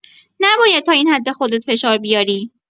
نباید تا این حد به خودت فشار بیاری.